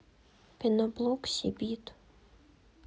пеноблок сибит